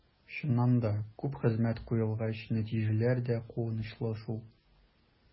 Чыннан да, күп хезмәт куелгач, нәтиҗәләр дә куанычлы шул.